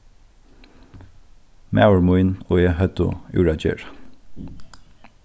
maður mín og eg høvdu úr at gera